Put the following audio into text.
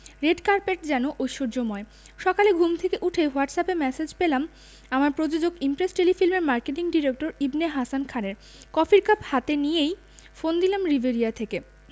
red carpet যেন ঐশ্বর্যময় সকালে ঘুম থেকে উঠেই হোয়াটসঅ্যাপ এ ম্যাসেজ পেলাম আমার প্রযোজক ইমপ্রেস টেলিফিল্মের মার্কেটিং ডিরেক্টর ইবনে হাসান খানের কফির কাপ হাতেই নিয়ে ফোন দিলাম রিভেরিয়া থেকে